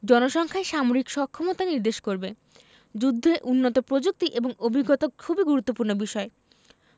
জনসংখ্যাই সামরিক সক্ষমতা নির্দেশ করবে যুদ্ধে উন্নত প্রযুক্তি এবং অভিজ্ঞতা খুবই গুরুত্বপূর্ণ বিষয়